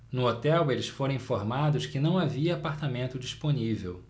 no hotel eles foram informados que não havia apartamento disponível